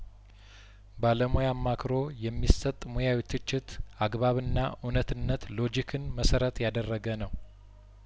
ባለሙያ አማክሮ የሚሰጥ ሙያዊ ትችት አግባብና እውነትነት ሎጂክን መሰረት ያደረገ ነው